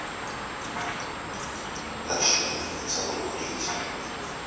начни хотя бы курить